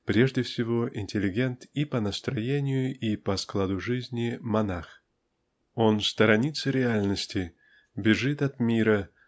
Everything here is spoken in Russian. Прежде всего интеллигент и по настроению, и по складу жизни--монах. Он сторонится реальности бежит от мира